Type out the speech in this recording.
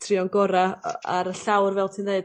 trïo'n gora' yy ar y llawr fel ti'n ddeud...